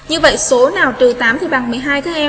như vậy số nào từ thì bằng cái